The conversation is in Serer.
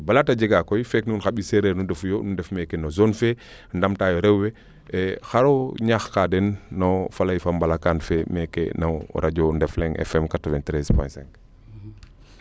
i bala te jega koy feek nuun xa mbiy sereer no ndefu yo nu ndef meeke no zone fee ndamtaayo rew we xaro ñaax kaa den no faley fa mbala kan fee meeke no radio Ndefleng FM 93 point 5